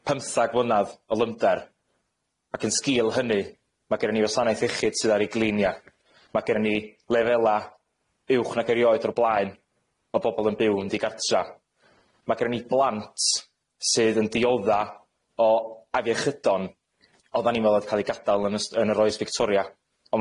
A dwi'n cau'r bleidlais.